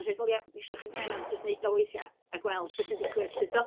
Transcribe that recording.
A wnes i fynd, "wel ia, ma' isio chi kind of jyst wneud o weithiau a gweld be sy'n digwydd", 'lly tibod.